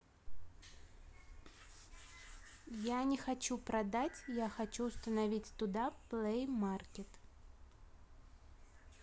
я не хочу продать я хочу установить туда плеймаркет